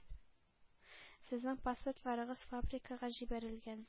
Сезнең паспортларыгыз фабрикага җибәрелгән.